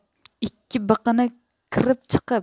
ikki biqini kirib chiqib